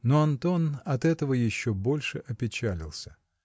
но Антон от этого еще больше опечалился.